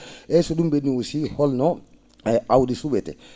eeyi so ?um ?ennii aussi holno aawdi su?etee